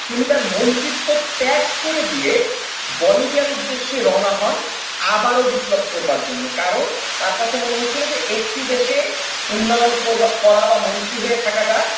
তিনি তার মন্ত্রীত্ব ত্যাগ করে দিয়ে বলিভিয়ার উদ্দেশ্যে রওনা হন আবারো বিপ্লব করার জন্য কারণ তার কাছে মনে হয়েছিল যে এটি দেশে উন্নয়ন করা বা মন্ত্রী হয়ে থাকাটা